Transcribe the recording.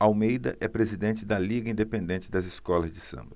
almeida é presidente da liga independente das escolas de samba